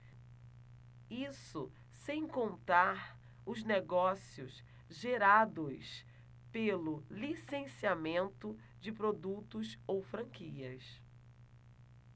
isso sem contar os negócios gerados pelo licenciamento de produtos ou franquias